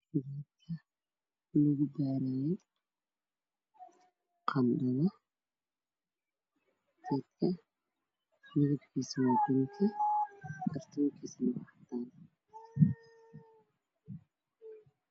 Waxaa i muuqda burushka korontada ku shaqeeya oo lagu adeysto